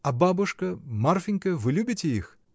А бабушка, Марфинька: вы любите их?